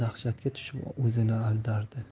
dahshatga tushib o'zini aldardi